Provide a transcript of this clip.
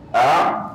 Han